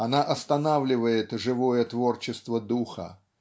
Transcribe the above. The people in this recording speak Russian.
Она останавливает живое творчество духа